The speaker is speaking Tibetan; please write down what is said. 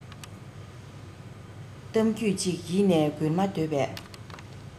གཏམ རྒྱུད ཅིག ཡིད ནས སྒུལ མ འདོད པས